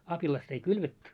apilasta ei kylvetty